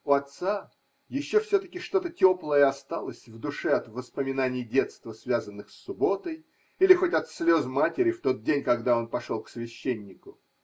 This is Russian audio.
У отца еще все-таки что-то теплое осталось в душе от воспоминаний детства, связанных с субботой, или хоть от слез матери в тот день, когда он пошел к священнику.